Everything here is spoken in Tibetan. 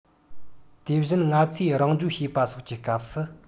དེ བཞིན ང ཚོས རང སྦྱོང བྱེད པ སོགས ཀྱི སྐབས སུ